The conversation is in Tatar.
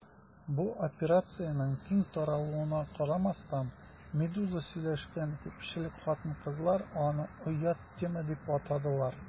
Бу операциянең киң таралуына карамастан, «Медуза» сөйләшкән күпчелек хатын-кызлар аны «оят тема» дип атадылар.